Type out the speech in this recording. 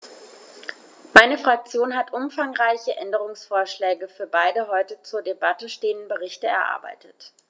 Meine Fraktion hat umfangreiche Änderungsvorschläge für beide heute zur Debatte stehenden Berichte erarbeitet.